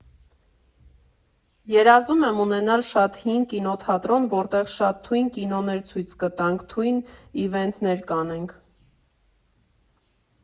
Երազում եմ ունենալ շատ հին կինոթատրոն, որտեղ շատ թույն կինոներ ցույց կտանք, թույն իվենթներ կանենք։